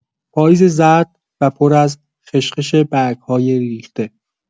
پاییز زرد و پر از خش‌خش برگ‌های ریخته